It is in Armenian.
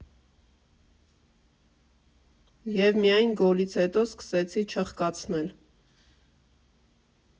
Եվ միայն գոլից հետո սկսեցի չխկացնել։